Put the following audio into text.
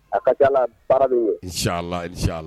A ka c'a la b baara be ɲɛ inchallah inchallah